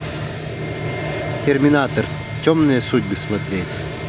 терминатор темные судьбы смотреть